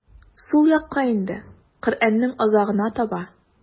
Сул якка инде, Коръәннең азагына таба.